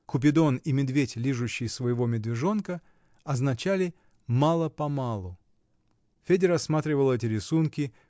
"Купидон и медведь, лижущий своего медвежонка" означали: "Мало-помалу". Федя рассматривал эти рисунки